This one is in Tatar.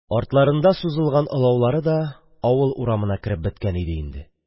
Артларында сузылган олаулары да авыл урамына кереп беткән иде инде.